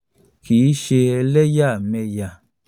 Kì í ṣe ẹlẹ́yàmẹyá̀.